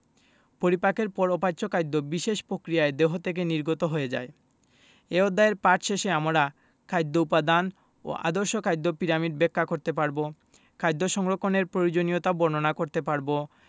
পরিপাকের পর অপাচ্য খাদ্য বিশেষ পক্রিয়ায় দেহ থেকে নির্গত হয়ে যায় এ অধ্যায় পাঠ শেষে আমরা খাদ্য উপাদান ও আদর্শ খাদ্য পিরামিড ব্যাখ্যা করতে পারব খাদ্য সংরক্ষণের প্রয়োজনীয়তা বর্ণনা করতে পারব